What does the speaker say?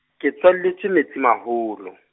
ke tswaletswe Metsimaholo.